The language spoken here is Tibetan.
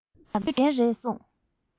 གནའ ཤུལ གྲགས ཅན རེད གསུངས